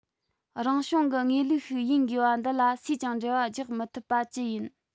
རང བྱུང གི ངེས ལུགས ཤིག ཡིན དགོས པ འདི ལ སུས ཀྱང འགྲེལ བ རྒྱག མི ཐུབ པ ཅི ཡིན